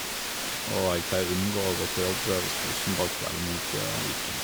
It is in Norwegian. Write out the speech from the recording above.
Og jeg pleier unngå å gå på jobb hvis Rosenborg spiller mot Viking.